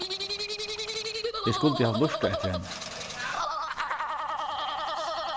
eg skuldi havt lurtað eftir henni